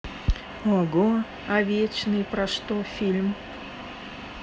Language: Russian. ого а вечные про что фильм